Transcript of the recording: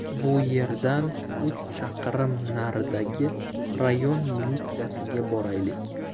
bu yerdan uch chaqirim naridagi rayon militsiyasiga boraylik